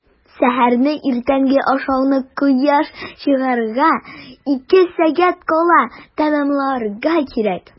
Сәхәрне – иртәнге ашауны кояш чыгарга ике сәгать кала тәмамларга кирәк.